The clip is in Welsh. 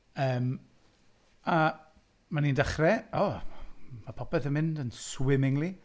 Yym a 'ma ni'n dechrau. O mae popeth yn mynd yn swimmingly.